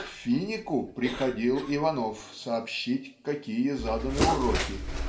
К Финику приходил Иванов сообщить, какие заданы уроки.